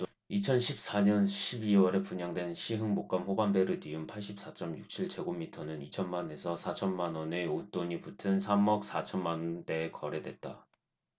이천 십 사 년 십 이 월에 분양된 시흥목감호반베르디움 팔십 사 쩜 육 칠 제곱미터는 이천 만 에서 사천 만원의 웃돈이 붙은 삼 억 사천 만원대에 거래됐다